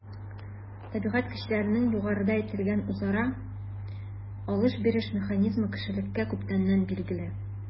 Табигать көчләренең югарыда әйтелгән үзара “алыш-биреш” механизмы кешелеккә күптәннән билгеле.